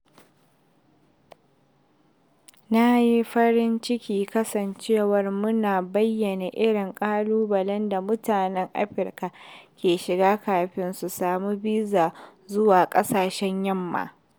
Na yi farin ciki kasancewar muna bayyana irin ƙalubalen da mutanen Afirka ke shiga kafin su samu bizar zuwa ƙasashen yamma.